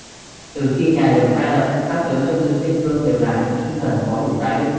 từ khi nhà đường khai lập các tướng trông giữ biên cương đều là những trung thần có đủ tài đức